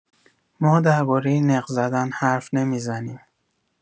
ما درباره نق‌زدن حرف نمی‌زنیم.